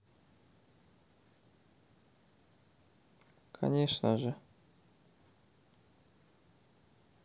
конечно же